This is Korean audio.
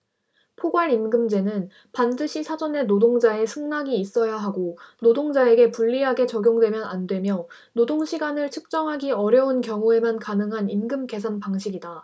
포괄임금제는 반드시 사전에 노동자의 승낙이 있어야 하고 노동자에게 불리하게 적용되면 안 되며 노동시간을 측정하기 어려운 경우에만 가능한 임금계산 방식이다